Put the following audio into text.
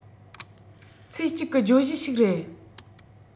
ཚེ གཅིག གི བརྗོད གཞི ཞིག རེད